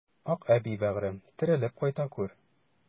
Акъәби, бәгырем, терелеп кайта күр!